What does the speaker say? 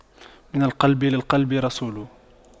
من القلب للقلب رسول